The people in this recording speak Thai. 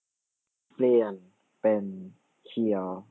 เปลี่ยนเป็นเคียว